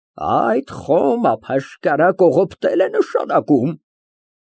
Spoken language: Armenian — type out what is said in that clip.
Այդ խոմ ափաշկարա կողոպտել է նշանակում։